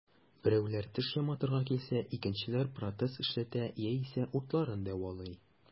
Берәүләр теш яматырга килсә, икенчеләр протез эшләтә яисә уртларын дәвалый.